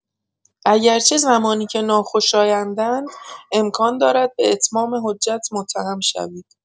اگرچه زمانی که ناخوشایندند، امکان دارد به اتمام حجت متهم شوید.